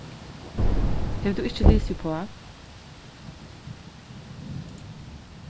hevur tú ikki lisið uppá